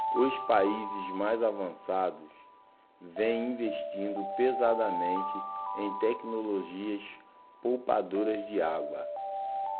os países mais avançados vêm investindo pesadamente em tecnologias poupadoras de água